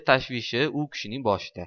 tashvishi u kishining boshida